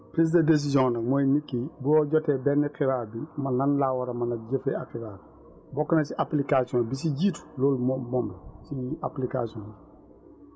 prise de décision nag mooy ñi kii boo jotee benn xibaar bi man nan laa war a mën a jëfee ak xibaar bokk na si application bi si jiitu loolu moom moom la suñu application bi